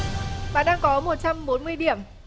bạn đang có một trăm bốn mươi điểm